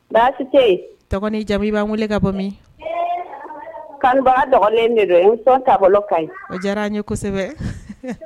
Baasi tɛ ye tɔgɔ ni jamu i b'an wele ka bɔ min kanubaga dogolen de do i ka bɔ Kayi o diyara n ye kosɛbɛ.